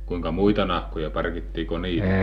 kuinka muita nahkoja parkittiinko niitä